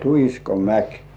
Tuhiskomäki